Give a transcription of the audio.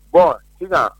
Bɔn sisan